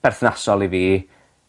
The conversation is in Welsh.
berthnasol i fi